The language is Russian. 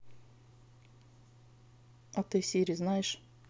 а ты сири знаешь